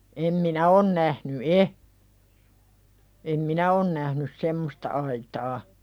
en minä ole nähnyt ei en minä ole nähnyt semmoista aitaa